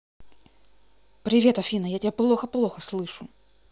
привет афина я тебя плохо плохо слышу